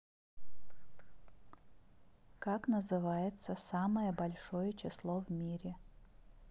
как называется самое большое число в мире